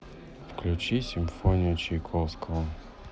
включи симфонию чайковского